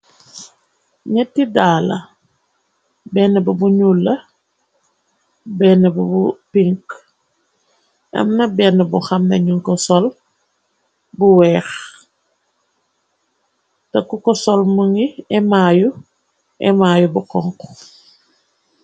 Ñetti daala benn bi bu nulla benn bubu pink amna benn bu xamnanu ko sol bu weex teku ko sol mu ngi émaayu émaayu bu konk.